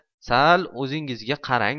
sal o'zingizga qarang